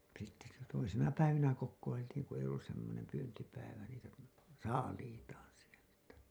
sitten sitä toisina päivinä kokoiltiin kun ei ollut semmoinen pyyntipäivä niitä saaliitaan sieltä